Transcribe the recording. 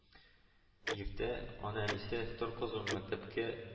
Иртә аны әнисе, тор кызым мәктәпкә